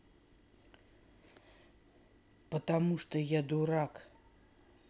потому что я дурак